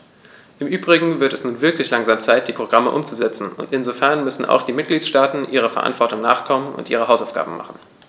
Im übrigen wird es nun wirklich langsam Zeit, die Programme umzusetzen, und insofern müssen auch die Mitgliedstaaten ihrer Verantwortung nachkommen und ihre Hausaufgaben machen.